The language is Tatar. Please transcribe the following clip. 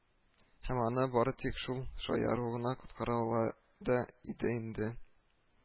Һәм аны бары тик шул шаяру гына коткара ала да иде инде